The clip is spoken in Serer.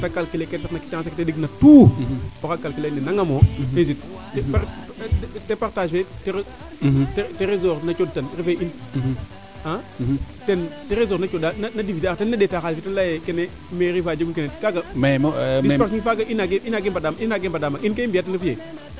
te calculer kete saqna quittance ale te ndeng na tout o xaaga calculer ine nangamo te sut te partager tresor na coox tan refee in ten tresor na cooxa na diviser a tena suta xalis a leye keene mairie fa jegun kene kaga dimension faaga i naange mbanda ma in kee i mbiyaa ten refu yee